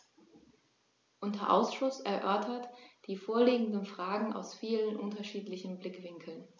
Unser Ausschuss erörtert die vorliegenden Fragen aus vielen unterschiedlichen Blickwinkeln.